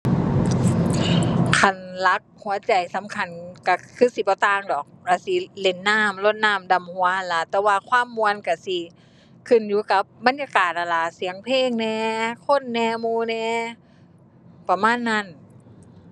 คันหลักหัวใจสำคัญก็คือสิบ่ต่างดอก ก็สิเล่นน้ำ รดน้ำดำหัวหั้นล่ะ แต่ว่าความม่วนก็สิ ขึ้นอยู่กับบรรยากาศนั่นล่ะ เสียงเพลงแหน่ คนแหน่ หมู่แหน่ ประมาณนั้น